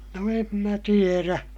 no en minä tiedä